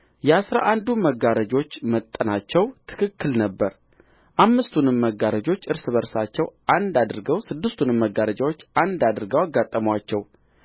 የአሥራ አንዱም መጋረጆች መጠናቸው ትክክል ነበረ አምስቱንም መጋረጆች እርስ በርሳቸው አንድ አድርገው ስድስቱንም መጋረጆች አንድ አድርገው አጋጠሙአቸው